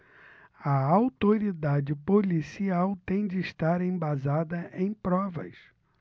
a autoridade policial tem de estar embasada em provas